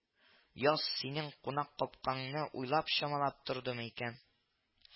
Яз синең кунак капкаңны уйлап-чамалап тордымы икән